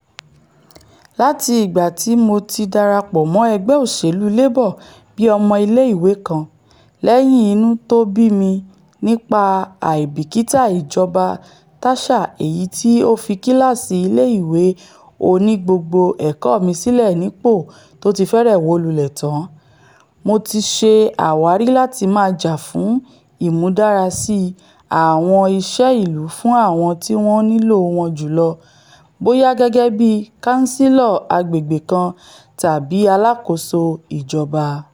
Láti ìgbà tí Mo ti darapọ̀ mọ́ ẹgbẹ́ òṣèlú Labour bí ọmọ ilé ìwé kan, lẹ́yìn inú tó bí mi nípa àìbìkítà ìjọba Thatcher èyití ó fi kíláàsì ilé-ìwé onígbogbo-ẹ̀kọ́ mi sílẹ̀ nípò tóti fẹ́rẹ̀ wólulẹ̀ tán, Mo ti ṣe àwárí láti máa jà fún ìmúdára síi àwọn iṣẹ́ ìlú fún àwọn tí wọ́n nílò wọn jùlọ - bóyá gẹ́gẹ́bí káńsílọ̀ agbègbè kan tàbí aláàkóso ìjọba.